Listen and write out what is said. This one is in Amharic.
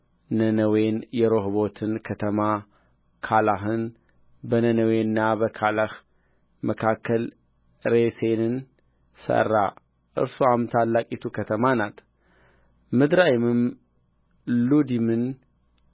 ነነዌን የረሆቦትን ከተማ ካለህን በነነዌና በካለህ መካከልም ሬሴንን ሠራ እርስዋም ታላቂቱ ከተማ ናት ምድራይምም ሉዲምን